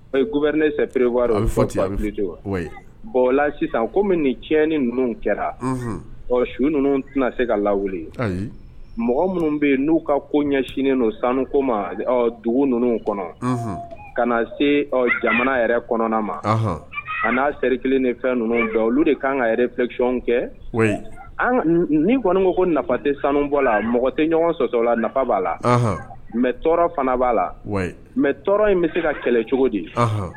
B neerewa bon sisan kɔmi nin tiɲɛn ni ninnu kɛra ɔ su ninnu tɛna se ka lawu mɔgɔ minnu bɛ yen n'u ka ko ɲɛsinnen sanuko ma dugu ninnu kɔnɔ ka na se jamana yɛrɛ kɔnɔna ma a n'a seri kelen de fɛn ninnu jɔ olu de kan ka yɛrɛerecyɔn kɛ' kɔni ko nafatɛ sanu bɔ la mɔgɔ tɛ ɲɔgɔn sɔsɔ la nafa b'a la mɛ tɔɔrɔ fana b'a la mɛ tɔɔrɔ in bɛ se ka kɛlɛ cogo de ye